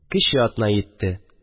Кече атна йитте